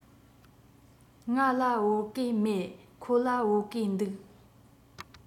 ང ལ བོད གོས མེད ཁོ ལ བོད གོས འདུག